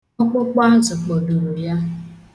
Ọkpụkpụ azụ kpodoro ya.